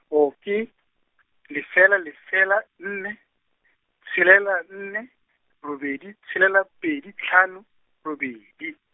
oh ke , lefela lefela nne, tshelela nne, robedi tshelela pedi hlano, robedi.